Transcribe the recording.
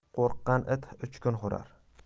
qo'rqqan it uch kun hurar